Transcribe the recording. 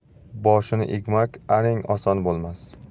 boshini egmak aning oson bo'lmas